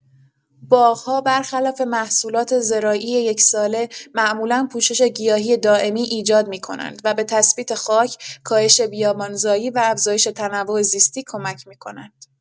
باغ‌ها بر خلاف محصولات زراعی یک‌ساله، معمولا پوشش گیاهی دائمی ایجاد می‌کنند و به تثبیت خاک، کاهش بیابان‌زایی و افزایش تنوع زیستی کمک می‌کنند.